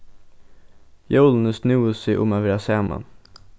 jólini snúðu seg um at vera saman